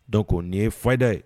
Donc nin ye fayida ye